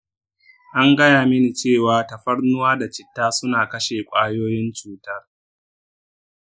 an gaya mini cewa tafarnuwa da citta suna kashe ƙwayoyin cutar.